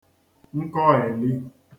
nkọghèli